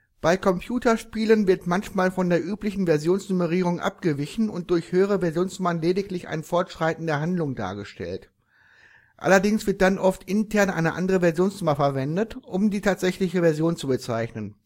Bei Computerspielen wird manchmal von der üblichen Versionsnummerierung abgewichen und durch höhere Versionsnummern lediglich ein Fortschreiten der Handlung dargestellt. Allerdings wird dann oft intern eine andere Versionssummer verwendet, um die tatsächliche Version zu bezeichnen